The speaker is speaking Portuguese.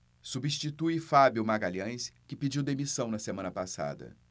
substitui fábio magalhães que pediu demissão na semana passada